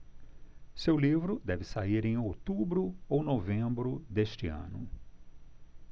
seu livro deve sair em outubro ou novembro deste ano